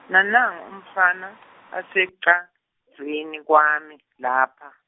Nanangu umfana , asecadzini kwami, lapha.